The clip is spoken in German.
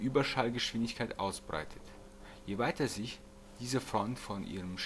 Überschallgeschwindigkeit ausbreitet. Je weiter sich diese Front von ihrem Stern